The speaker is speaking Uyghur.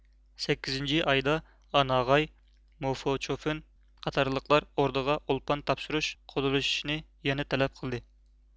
سەككىزىنچى ئايدا ئاناغاي موفو چۈفېن قاتارلىقلار ئوردىغا ئولپان تاپشۇرۇپ قۇدىلىشىشنى يەنە تەلەپ قىلدى